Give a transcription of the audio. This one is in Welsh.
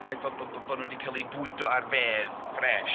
Ffaith bod bod bod nhw 'di cael eu bwydo ar fedd fresh.